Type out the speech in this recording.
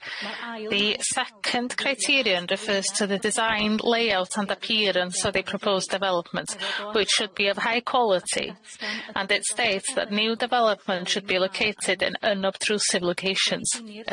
The second criterion refers to the design layout and appearance of the proposed development, which should be of high quality, and it states that new development should be located in unobtrusive locations.